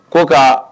Ko ka